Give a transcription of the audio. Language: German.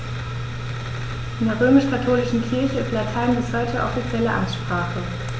In der römisch-katholischen Kirche ist Latein bis heute offizielle Amtssprache.